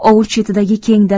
ovul chetidagi keng dalaga